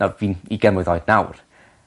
Nawr fi'n ugen mlwydd oed nawr.